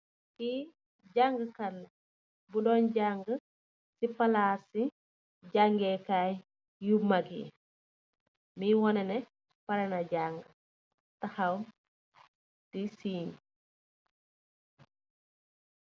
Ki jangkat la bodon jang si palasi jange kaye yu mak yi. Bi wane neh pareh na janga, tahaw di siin.